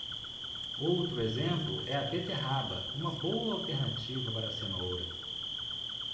outro exemplo é a beterraba uma boa alternativa para a cenoura